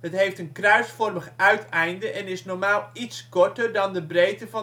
heeft een kruisvorming uiteinde en is normaal iets korter dan de breedte